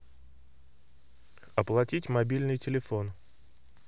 оплатить мобильный телефон